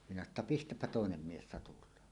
minä sanoin että pistäpä toinen mies satulaan